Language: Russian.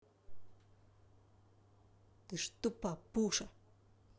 ты что папуша